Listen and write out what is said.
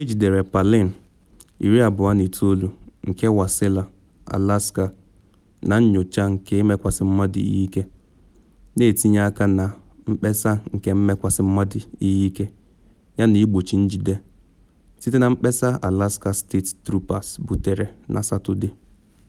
Ejidere Palin, 29, nke Wasilla, Alaska, na nyocha nke ịmekwasị mmadụ ihe ike, na etinye aka na mkpesa nke mmekwasị ihe ike yana igbochi njide, site na mkpesa Alaska State Troopers buputere na Satọde.